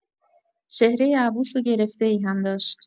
چهرۀ عبوس و گرفته‌ای هم داشت.